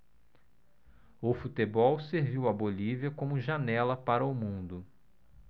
o futebol serviu à bolívia como janela para o mundo